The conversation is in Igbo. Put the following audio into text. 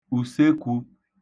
ùsekwū